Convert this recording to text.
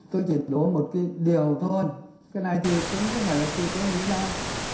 tôi chỉ đố một cái điều thôi cái này thì cũng không phải là từ tôi nghĩ ra